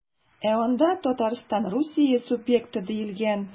Ә анда Татарстан Русия субъекты диелгән.